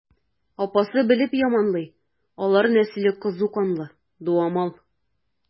Апасы белеп яманлый: алар нәселе кызу канлы, дуамал.